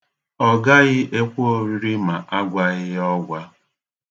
Ọ gaghị ekwe oriri ma a gwaghị ọgwa.